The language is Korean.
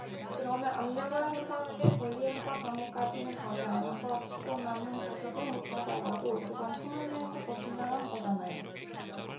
그러면 압력을 행사한 게 권리행사 방해까지는 가지 않아서 직권남용 적용을 못하더라도 그건 청문회에서 거짓말한 거잖아요